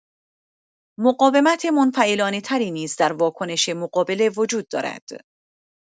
مقاومت منفعلانه‌تری نیز در واکنش مقابله وجود دارد.